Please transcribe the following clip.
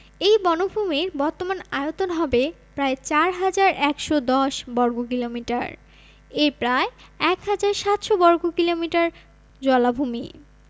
এই বনভূমির বর্তমান আয়তন হবে প্রায় ৪ হাজার ১১০ বর্গ কিলোমিটার এর প্রায় ১হাজার ৭০০ বর্গ কিলোমিটার জলাভূমি